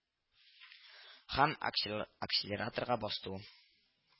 Һәм аксел акселераторга басты ул